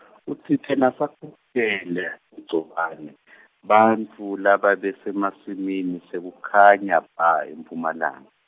utsite nasakhu -kele eMgcobani , bantfu lababesemasimini sekukhanya bha emphumalanga.